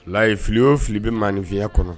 Layi filiyo fili bɛ manfi kɔnɔ